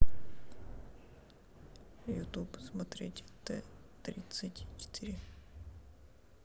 ютуб смотреть т тридцать четыре